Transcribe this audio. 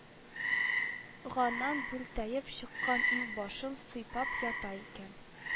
Ганнан бүлтәеп чыккан иңбашын сыйпап ята икән